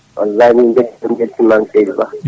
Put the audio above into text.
wallay min bel beltanimama seydi Ba